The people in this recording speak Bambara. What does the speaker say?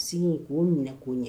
Sinkaw k'o minɛ k' o ɲɛ!